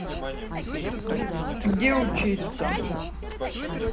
где учиться